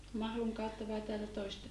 Mahlun kautta vai täältä toista puolta